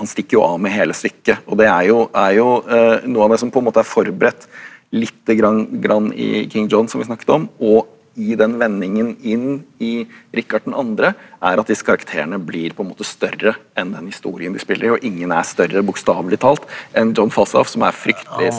han stikker jo av med hele stykket og det er jo er jo noe av det som på en måte er forberedt lite grann i king John som vi snakket om og i den vendingen inn i Rikard den andre er at disse karakterene blir på en måte større enn den historien de spiller og ingen er større bokstavelig talt enn John Falstaff som er fryktelig.